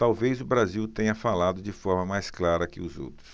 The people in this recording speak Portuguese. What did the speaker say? talvez o brasil tenha falado de forma mais clara que os outros